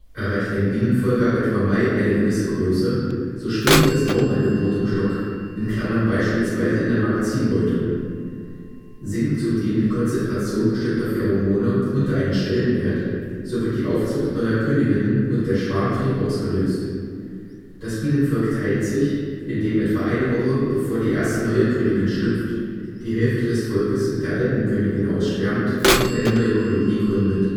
Erreicht ein Bienenvolk ab etwa Mai eine gewisse Größe, so schwindet das Raumangebot im Stock (beispielsweise in der Magazin-Beute). Sinkt zudem die Konzentration bestimmter Pheromone unter einen Schwellenwert, so wird die Aufzucht neuer Königinnen und der Schwarmtrieb ausgelöst. Das Bienenvolk teilt sich, indem etwa eine Woche, bevor die erste neue Königin schlüpft, die Hälfte des Volkes mit der alten Königin ausschwärmt und eine neue Kolonie gründet